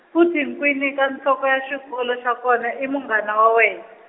futhi Nkwinika nhloko ya xikolo xa kona i munghana wa wena.